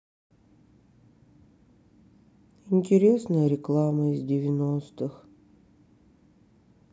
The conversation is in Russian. интересная реклама из девяностых